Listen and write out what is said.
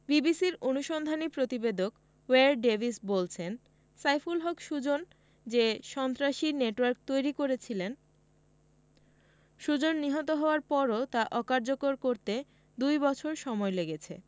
বিবিসির অনুসন্ধানী প্রতিবেদক ওয়্যার ডেভিস বলছেন সাইফুল হক সুজন যে সন্ত্রাসী নেটওয়ার্ক তৈরি করেছিলেন সুজন নিহত হওয়ার পরও তা অকার্যকর করতে দুই বছর সময় লেগেছে